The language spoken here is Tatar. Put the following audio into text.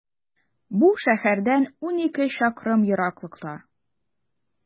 Бу шәһәрдән унике чакрым ераклыкта.